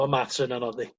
ma' maths yn anodd yndi?